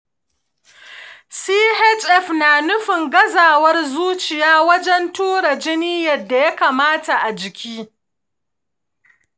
chf na nufin gazawar zuciya wajen tura jini yadda ya kamata a jiki.